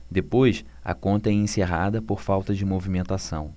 depois a conta é encerrada por falta de movimentação